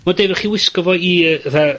ma' deud wrth chi wisgo fo i fatha